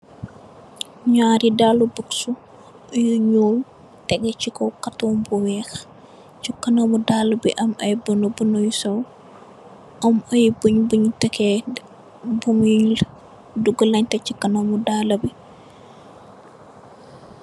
Naari daala buds yu nuul tegu si kaw karton bu weex si kanami daal bi am ay bona bona yu sew am ay bom bom takee bom mi dugalante si daala bi.